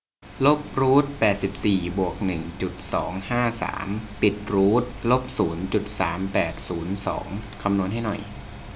ลบรูทแปดสิบสี่บวกหนึ่งจุดสองห้าสามปิดรูทลบศูนย์จุดสามแปดศูนย์สองคำนวณให้หน่อย